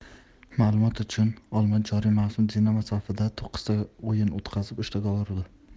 ma'lumot uchun olmo joriy mavsum dinamo safida to'qqizta o'yin o'tkazib uchta gol urdi